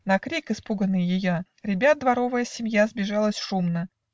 На крик испуганный ея Ребят дворовая семья Сбежалась шумно.